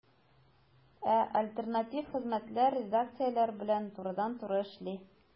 Ә альтернатив хезмәтләр редакцияләр белән турыдан-туры эшли.